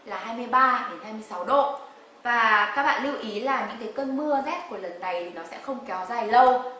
là hai mươi ba đến hai mươi sáu độ và các bạn lưu ý là những cái cơn mưa rét của lần này thì nó sẽ không kéo dài lâu